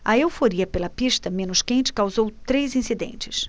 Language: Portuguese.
a euforia pela pista menos quente causou três incidentes